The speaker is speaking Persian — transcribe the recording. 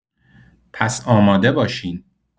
پس آماده باشین.